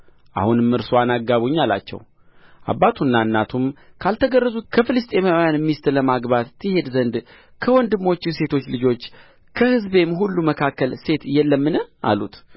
አሁንም እርስዋን አጋቡኝ አላቸው አባቱና እናቱም ካልተገረዙት ከፍልስጥኤማውያን ሚስት ለማግባት ትሄድ ዘንድ ከወንድሞችህ ሴቶች ልጆች ከሕዝቤም ሁሉ መካከል ሴት የለምን አሉት